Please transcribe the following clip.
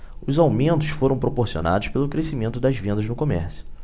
os aumentos foram proporcionados pelo crescimento das vendas no comércio